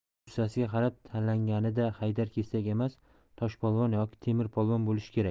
jussasiga qarab tanlanganida haydar kesak emas toshpolvon yoki temir polvon bo'lishi kerak